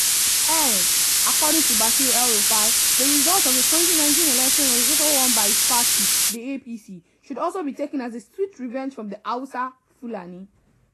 Hence, according to Bashir El-Rufai, the result of the 2019 elections which was won by his party, the APC, should also be taken as a sweet "revenge" from the Hausa, Fulani.